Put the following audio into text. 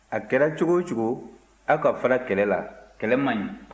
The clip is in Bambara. a kɛra cogo o cogo aw ka fara kɛlɛ la kɛlɛ man ɲi